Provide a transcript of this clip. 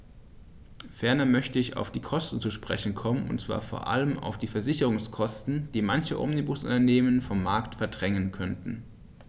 Ferner möchte ich auf die Kosten zu sprechen kommen, und zwar vor allem auf die Versicherungskosten, die manche Omnibusunternehmen vom Markt verdrängen könnten.